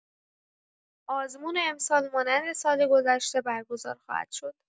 آزمون امسال مانند سال‌گذشته برگزار خواهد شد.